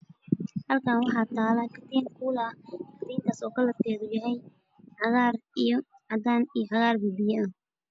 Halkan waxa tala katiin kulah oo kalarkedu yahay cagar iyo cadan iyo cagar kalarkedu biyo biyoah